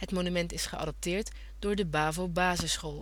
monument is geadopteerd door de Bavo Basisschool